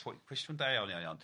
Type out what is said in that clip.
pwy- cwestiwn da iawn iawn.